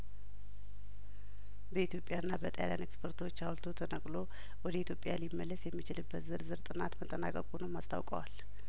በኢትዮጵያ ና በጣሊያን ኤክስፐርቶች ሀውልቱ ተነቅሎ ወደ ኢትዮጵያ ሊመለስ የሚችልበት ዝርዝር ጥናት መጠናቀቁንም አስታውቀዋል